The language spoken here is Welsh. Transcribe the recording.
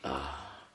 Ah...